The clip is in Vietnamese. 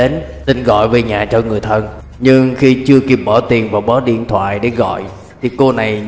và chạy đến định gọi về nhà cho người thân nhưng khi chưa kịp bỏ tiền vào bot điện thoại để gọi thì cô này đã